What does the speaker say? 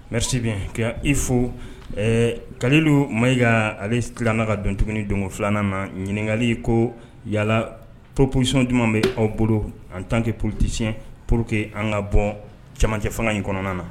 Mɛsibi ka i fo ɛɛ kale don ma ka alena ka dont don filanan na ɲininkakali ko yalala po pposiondi bɛ aw bolo an tan kɛ posiyɛn po que an ka bɔ camancɛ fana in kɔnɔna na